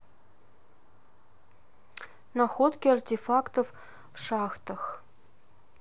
находки артефактов в шахтах